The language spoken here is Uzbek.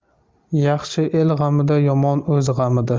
yaxshi el g'amida yomon o'z g'amida